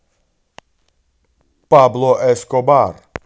пабло эскобар